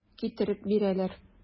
Китереп бирәләр.